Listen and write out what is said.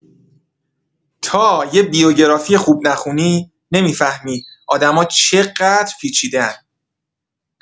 تا یه بیوگرافی خوب نخونی، نمی‌فهمی آدما چقدر پیچیده‌ان.